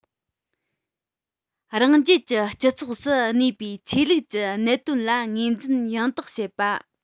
རང རྒྱལ གྱི སྤྱི ཚོགས སུ གནས པའི ཆོས ལུགས ཀྱི གནད དོན ལ ངོས འཛིན ཡང དག པ བྱེད པ